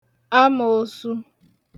amōōsū